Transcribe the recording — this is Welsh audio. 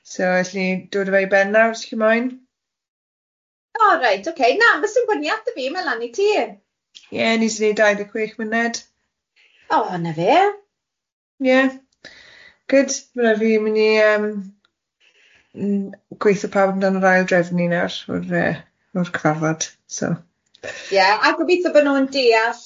so ellen ni dod a fe i ben nawr os chi moyn... O reit ocê na byswn i'n gwenu ato fi ma' lan i tŷ. ...Ie ni sy'n neud dau deg chwech muned. ...O na fe. ...yndyfe ie good fydda fi'n mynd i yym gweitho pawb amdan yr ail drefni nawr o'r yy o'r cyfarfod so... Ie a gobeithio bod nhw'n deall,